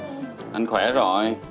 anh khỏe rồi